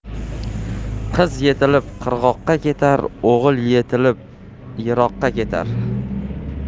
qiz yetilib qirg'oqqa ketar o'g'il yetilib yiroqqa ketar